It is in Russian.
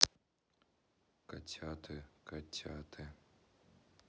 котяты котяты